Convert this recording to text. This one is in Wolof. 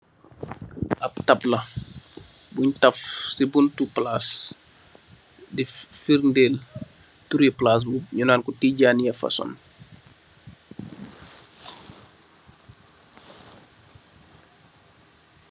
Ap tapla bui taf ci butti palas di ferdël turri palas ñu nan ko Tijaniya Fason.